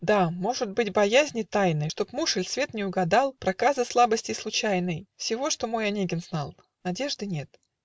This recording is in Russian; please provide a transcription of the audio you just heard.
Да, может быть, боязни тайной, Чтоб муж иль свет не угадал Проказы, слабости случайной. Всего, что мой Онегин знал. Надежды нет!